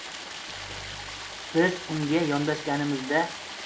biz unga yondashganimizda